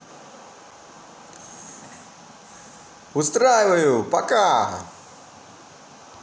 устраиваю пока